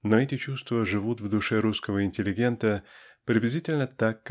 Но эти чувства живут в душе русского интеллигента приблизительно так